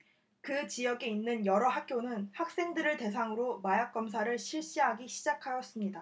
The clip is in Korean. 그 지역에 있는 여러 학교는 학생들을 대상으로 마약 검사를 실시하기 시작하였습니다